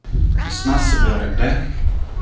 и с нас собирают да